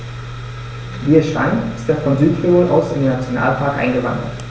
Wie es scheint, ist er von Südtirol aus in den Nationalpark eingewandert.